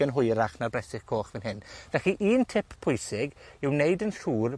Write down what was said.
yn hwyrach na'r bresych coch fen hyn. Felly, un tip pwysig yw neud yn siŵr